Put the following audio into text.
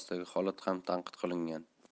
sohasidagi holat ham tanqid qilingan